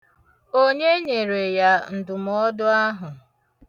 Onye nyere ya ǹdụ̀mọọdụ ahụ?